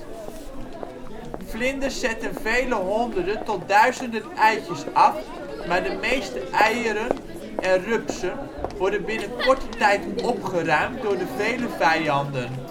Vlinders zetten vele honderden tot duizenden eitjes af maar de meeste eieren en rupsen worden binnen korte tijd opgeruimd door de vele vijanden